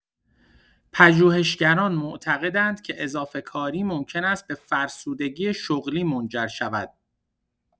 پژوهشگران معتقدند که اضافه‌کاری ممکن است به فرسودگی شغلی منجر شود.